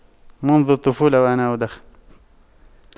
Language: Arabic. منذ الطفولة وانا أدخن